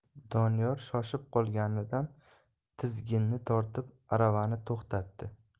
doniyor shoshib qolganidan tizginni tortib aravani to'xtatdi